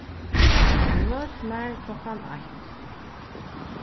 møt mær klokkan eitt